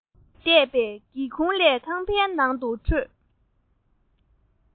གཏད པའི སྒེའུ ཁུང ལས ཁང པའི ནང དུ འཕྲོས